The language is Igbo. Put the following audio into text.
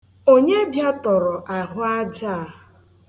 Onye bịatọrọ ahụ aja a?